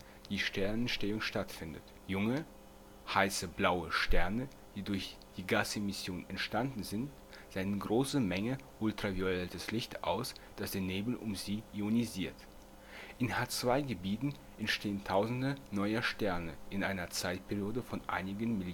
Sternentstehung stattfindet. Junge, heiße, blaue Sterne, die durch die Gasemission entstanden sind, senden große Menge ultraviolettes Licht aus, das den Nebel um sie ionisiert. In H-II-Gebieten entstehen tausende neuer Sterne in einer Zeitperiode von einigen